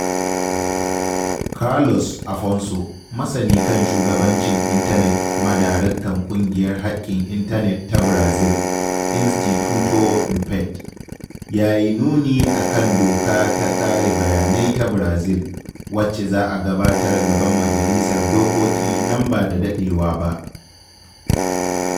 Carlos Afonso, masani kan shugabancin Intanet kuma daraktan ƙungiyar haƙƙin Intanet ta Brazil, Instituto Nupef, yayi nuni akan doka ta kare bayanai ta Brazil, wacce za a gabatar gaban Majalisar Dokoki nan ba da daɗewa ba.